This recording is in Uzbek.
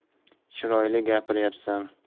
chiroyli gapiryapsan